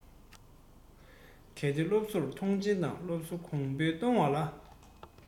གལ ཏེ སློབ གསོར མཐོང ཆེན དང སློབ གསོ གོང འཕེལ གཏོང བ ལ